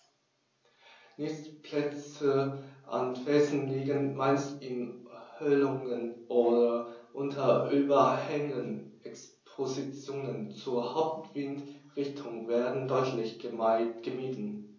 Nistplätze an Felsen liegen meist in Höhlungen oder unter Überhängen, Expositionen zur Hauptwindrichtung werden deutlich gemieden.